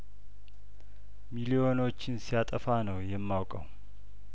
ሚሊዮኖችን ሲያጠፋ ነው የማውቀው